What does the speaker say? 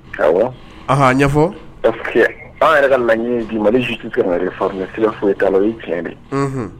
Ɔwɔ ɲɛfɔ an yɛrɛ ka na ji mali sisi fa sira foyi ta la o ye tiɲɛ de